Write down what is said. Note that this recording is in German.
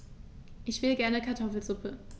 Ich will gerne Kartoffelsuppe.